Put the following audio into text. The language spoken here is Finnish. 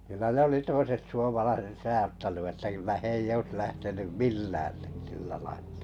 kyllä ne oli toiset suomalaiset sadattanut että kyllä he ei olisi lähtenyt millään -